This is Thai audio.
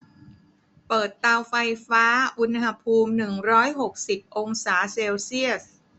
เปิดเตาไฟฟ้าอุณหภูมิหนึ่งร้อยหกสิบองศาเซลเซียส